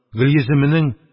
Гөлйөземенең,